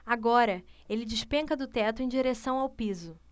agora ele despenca do teto em direção ao piso